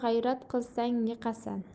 g'ayrat qilsang yiqasan